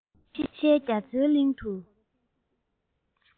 ཤེས བྱའི རྒྱ མཚོའི གླིང དུ